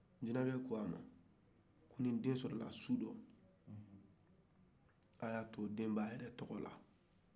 jinacɛ ko a ma ko ni den sɔrɔla sufɛ a y'a to a k'a yɛrɛ tɔgɔda